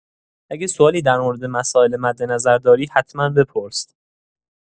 اگه سوالی در مورد مسائل مدنظر داری، حتما بپرس.